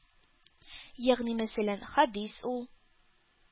-ягъни мәсәлән, хәдис ул,